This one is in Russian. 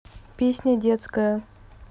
песня детская